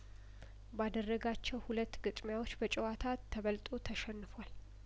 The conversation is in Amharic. ባደረጋቸው ሁለት ግጥሚያዎች በጨዋታ ተበልጦ ተሸንፏል